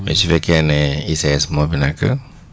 mais su fekkee ne ICS moo fi nekk